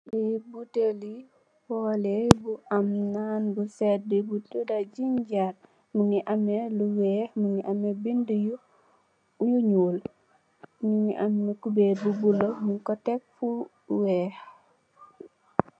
Lee butele foleh bu am naan bu sedde bu tuda genjer muge ameh lu weex muge ameh bede yu nuul nuge ameh kuberr bu bulo nugku tek fu weex.